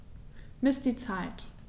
Miss die Zeit.